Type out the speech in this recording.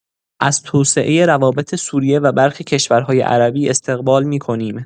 از توسعه روابط سوریه و برخی کشورهای عربی استقبال می‌کنیم.